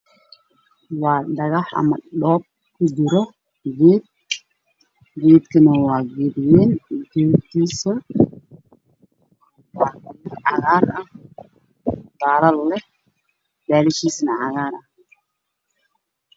Waa miis waxaa saaran geed cagaar ah oo caleemo dhaadheer leh miiska dushiisa ayuu saaran yahay